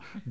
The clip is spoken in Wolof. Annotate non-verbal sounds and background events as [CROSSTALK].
[HESITATION] [HESITATION]